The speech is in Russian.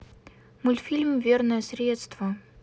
мультфильм верное средство